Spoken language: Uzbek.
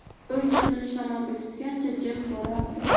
u yuzini shamolga tutganicha jim borardi